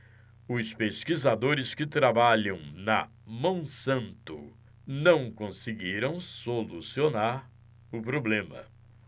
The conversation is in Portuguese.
os pesquisadores que trabalham na monsanto não conseguiram solucionar o problema